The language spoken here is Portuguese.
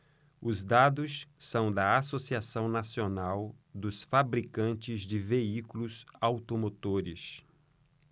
os dados são da anfavea associação nacional dos fabricantes de veículos automotores